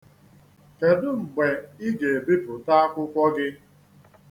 Kedu mgbe I ga-ebipụta akwụkwọ gị?